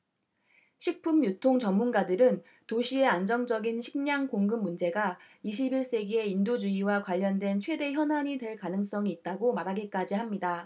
식품 유통 전문가들은 도시의 안정적인 식량 공급 문제가 이십 일 세기에 인도주의와 관련된 최대 현안이 될 가능성이 있다고 말하기까지 합니다